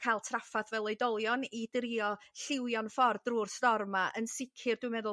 ca'l traffath fel oedolion i drio lliwio'n ffor' drwy'r storm 'ma yn sicr dwi'n meddwl